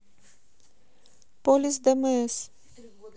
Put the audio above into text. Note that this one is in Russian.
полис дмс